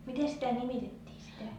miten sitä nimitettiin sitä